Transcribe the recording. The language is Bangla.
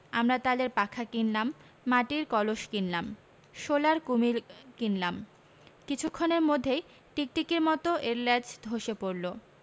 আমরা তালের পাখা কিনলাম মার্টির কলস কিনলাম সোলার কুমীর কিনলাম কিছুক্ষণের মধ্যেই টিকটিকির মত এর ল্যাজ ধসে পড়ল